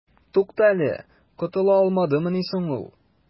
Туктале, котыла алдымыни соң ул?